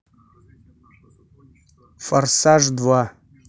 форсаж два